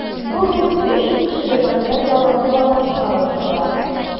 Бүген 300 кешелек концерт залы кулланылышка тапшырыла.